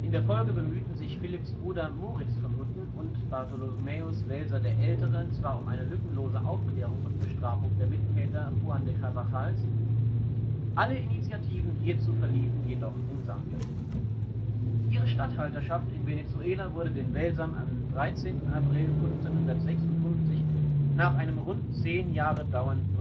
der Folge bemühten sich Philipps Bruder Moritz von Hutten und Bartholomäus Welser der Ältere zwar um eine lückenlose Aufklärung und Bestrafung der Mittäter Juan de Carvajals, alle Initiativen hierzu verliefen jedoch im Sande. Ihre Statthalterschaft in Venezuela wurde den Welsern am 13. April 1556 nach einem rund zehn Jahre dauernden Rechtsstreit